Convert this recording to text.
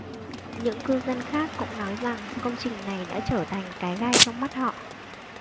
những cư dân khác cũng nói rằng công trình này đã trở thành cái gai trong mắt họ